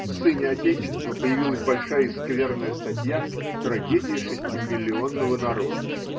в Сыне Отечества появилась большая и скверная статья Трагедия шестимиллионного народа.